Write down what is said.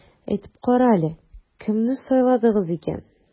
Әйтеп кара әле, кемне сайладыгыз икән?